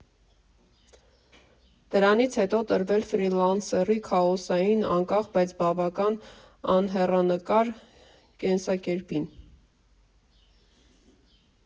Դրանից հետո տրվել ֆրիլանսերի քաոսային, անկախ, բայց բավական անհեռանկար կենսակերպին։